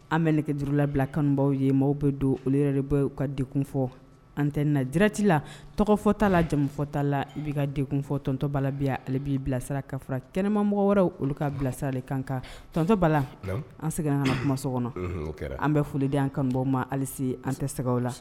An bɛ nɛgɛjuru labila kanubaw ye maaw bɛ don olu yɛrɛ de bɔ u ka dek fɔ ant dti la tɔgɔfɔta la jamufɔta la i bɛ ka dekfɔ tɔntɔ balalabilaya ale b'i bilasira ka fara kɛnɛmamɔgɔ wɛrɛ olu ka bilasira de kan ka tɔntɔbalan an seginna ka kuma so kɔnɔ an bɛ folidenya an kanbaw ma hali an tɛ sɛgɛ la